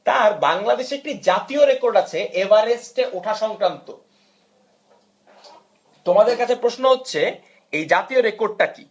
বাংলাদেশি কি জাতীয় রেকর্ড আছে এভারেস্টে ওঠার সংক্রান্ত তোমাদের কাছে প্রশ্ন হচ্ছে এই জাতীয় রেকর্ডটা কি